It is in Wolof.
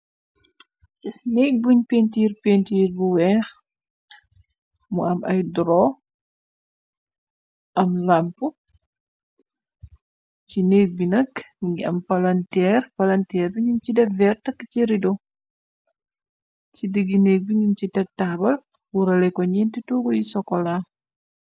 Nékk buñ pentiir pentiir bu weex, mu am ay dro, am làmp, ci neek bi nakk ngi am ne, palanteer bi ñum ci def veertak ci rido, ci diggi nek bi num ci teg taabal, wuurale ko ñenti tuuguy sokola.